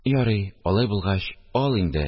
– ярый, алай булгач ал инде